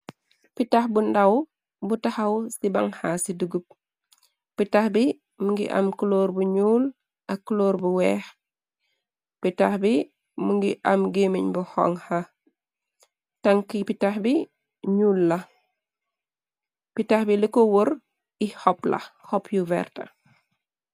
Pitax bu ndaw bu taxaw ci banha ci dugub. Pitax bi mu ngi am cloor bu ñuul ak cloor bu weex, pitax bi mu ngi am gémiñ bu hongha ,tank pitax bi ñuul la, pitax bi liko wor i xopla xop yu werta.